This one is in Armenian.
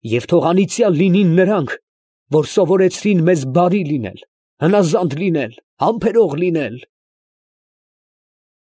Եվ թո՛ղ անիծյա՜լ լինին նրանք, որ սովորեցրին մեզ բարի լինել, հնազանդ լինել, համբերող լինել…։